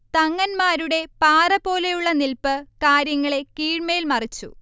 തങ്ങൻമാരുടെ പാറപോലെയുള്ള നിൽപ്പ് കാര്യങ്ങളെ കീഴ്മേൽ മറിച്ചു